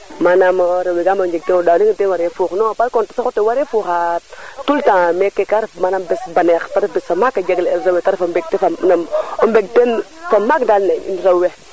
manam rewe gambaro njeg teeno ndaay o leŋna den ware fuux non par compte sax o tew ware fuuxa tout le temps meke ka ref baneex te ref bes fa maak te jag le el rew we te ref mbekte fa maak nam o mbekte fa maak daal in rew we